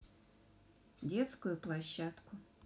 детскую площадку